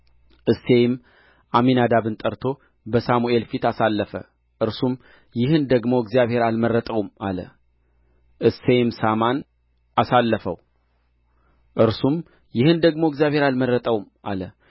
እሴይም አሚናዳብን ጠርቶ በሳሙኤል ፊት አሳለፈው እርሱም ይህን ደግሞ እግዚአብሔር አልመረጠውም አለ እሴይም ሣማን አሳለፈው እርሱም ይህን ደግሞ እግዚአብሔር አልመረጠውም አለ